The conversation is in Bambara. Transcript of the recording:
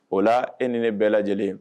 O la e ni ne bɛɛ lajɛlen